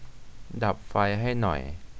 ดับไฟให้หน่อย